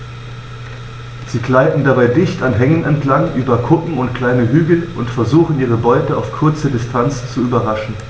Sie gleiten dabei dicht an Hängen entlang, über Kuppen und kleine Hügel und versuchen ihre Beute auf kurze Distanz zu überraschen.